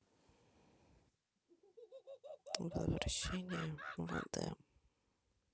возвращение в эдем